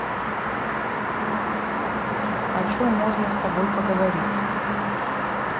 о чем можно с тобой поговорить